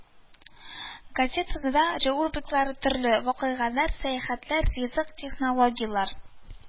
Газетада рубрикалар төрле: “Вакыйгалар”, “Сәяхәтләр”, “Ризык”, “Технологияләр”